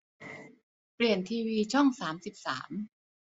เปลี่ยนทีวีช่องสามสิบสาม